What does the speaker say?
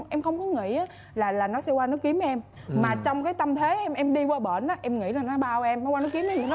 em không có nghĩ á là là nó sẽ qua nó kiếm em mà trong cái tâm thế em đi qua bển á em nghĩ nó bao em nó qua nó kiếm em